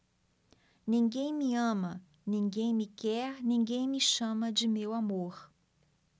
ninguém me ama ninguém me quer ninguém me chama de meu amor